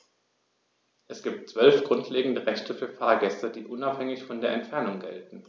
Es gibt 12 grundlegende Rechte für Fahrgäste, die unabhängig von der Entfernung gelten.